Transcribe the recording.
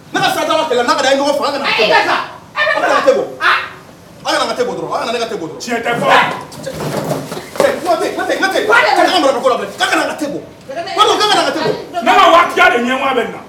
Ne sa ɲɔgɔn fa de ɲɛ min